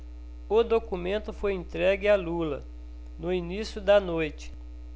o documento foi entregue a lula no início da noite